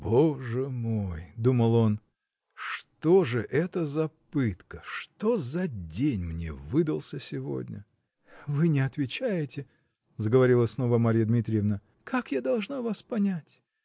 "Боже мой, -- думал он, -- что же это за пытка, что за день мне выдался сегодня!" -- Вы не отвечаете, -- заговорила снова Марья Дмитриевна, -- как я должна вас понять?